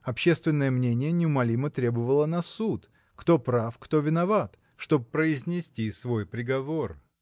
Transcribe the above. Общественное мнение неумолимо требовало на суд — кто прав, кто виноват — чтобы произнести свой приговор.